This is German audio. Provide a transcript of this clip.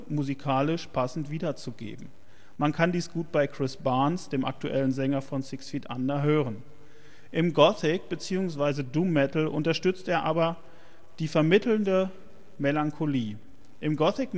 musikalisch passend wiederzugeben. Man kann dies gut bei Chris Barnes (aktueller Sänger von „ Six Feet Under “) hören. Im Gothic - bzw. Doom Metal unterstützt er aber die vermittelte Melancholie. Im Gothic